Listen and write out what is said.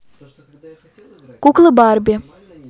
куклы барби